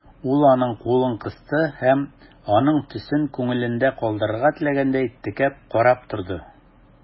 Ул аның кулын кысты һәм, аның төсен күңелендә калдырырга теләгәндәй, текәп карап торды.